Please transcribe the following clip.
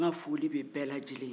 n ka foli bɛ bɛɛ lajɛlen ye